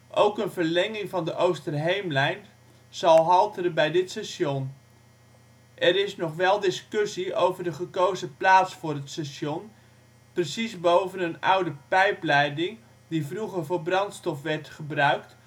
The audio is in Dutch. Ook een verlenging van de Oosterheemlijn zal halteren bij dit station. Er is nog wel discussie over de gekozen plaats voor het station: precies boven een oude pijpleiding die vroeger voor brandstof werd gebruikt